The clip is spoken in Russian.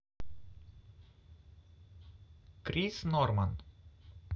крис норман